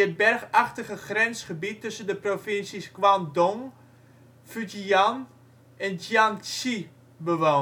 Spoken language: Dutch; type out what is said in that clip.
bergachtige grensgebied tussen de provincies Guandong, Fujian en Jiangxi bewoont. Hij had